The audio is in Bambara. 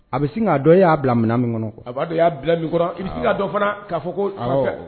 A bɛ sin k'a dɔn e y'a bila minɛ min kɔnɔ a b'a dɔn y'a bila minkɔrɔ i bɛ se ka dɔ fana k'a fɔ ko